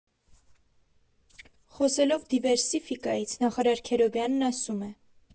Խոսելով դիվերսիֆիկայից՝ նախարար Քերոբյանն ասում է.